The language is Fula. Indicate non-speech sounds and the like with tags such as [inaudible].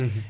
[hesitation] [hesitation]